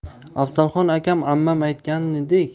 afzalxon akam ammam aytganidek